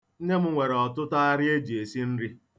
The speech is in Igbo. Nne m nwere ̣ọtụtụ arịa e ji esi nri.